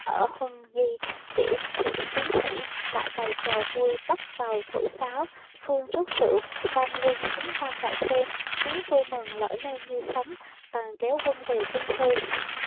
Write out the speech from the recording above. ở xã xuân hi để thưởng tướng sĩ lại bày trò vui bắt cầu thổi sáo phương rót rượu tam quân xúm quanh lại xem tiếng vui mừng nổi lên như sấm bèn kéo quân về kinh sư